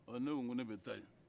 ɔ ne ko ko ne bɛ taa yen